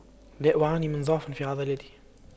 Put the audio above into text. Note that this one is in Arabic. لا أعاني من ضعف في عضلاتي